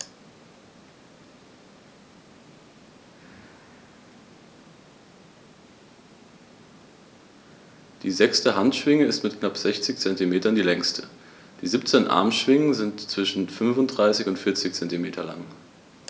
Die sechste Handschwinge ist mit knapp 60 cm die längste. Die 17 Armschwingen sind zwischen 35 und 40 cm lang.